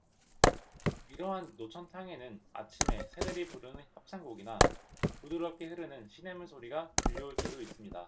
이러한 노천탕에는 아침에 새들이 부르는 합창곡이나 부드럽게 흐르는 시냇물 소리가 들려올 때도 있습니다